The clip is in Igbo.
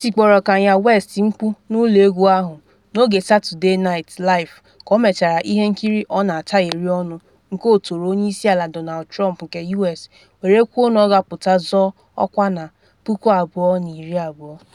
Etikporo Kanye West mkpu n’ụlọ egwu ahụ n’oge Saturday Night Live ka ọ mechara ihe nkiri ọ na-atagheri ọnụ nke otoro Onye Isi Ala Donald Trump nke U.S. were kwuo na ọ ga-apụta zọọ ọkwa na 2020.